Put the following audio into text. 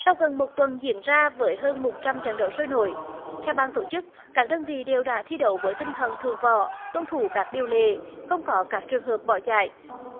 sau gần một tuần diễn ra với hơn một trăm trận đấu sôi nổi theo ban tổ chức các đơn vị đều đã thi đấu với tinh thần thượng võ tuân thủ các điều lệ không có các trường hợp bỏ chạy